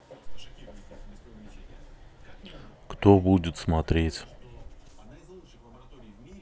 кто будет смотреть